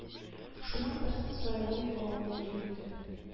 Шуның берсен сайлый алмый йөр инде